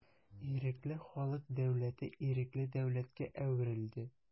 Ирекле халык дәүләте ирекле дәүләткә әверелде.